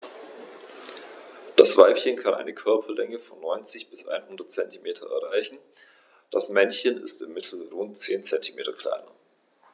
Das Weibchen kann eine Körperlänge von 90-100 cm erreichen; das Männchen ist im Mittel rund 10 cm kleiner.